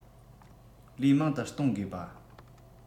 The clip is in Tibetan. ལས མང དུ གཏོང དགོས པ